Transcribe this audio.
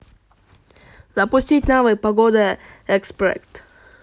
запустить навык погода эксперт